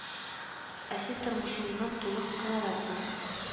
Ә син тормышыңнан тулы канәгатьме